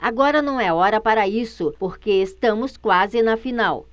agora não é hora para isso porque estamos quase na final